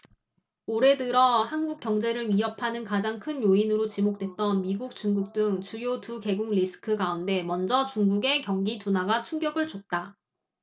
올해 들어 한국 경제를 위협하는 가장 큰 요인으로 지목됐던 미국 중국 등 주요 두 개국 리스크 가운데 먼저 중국의 경기 둔화가 충격을 줬다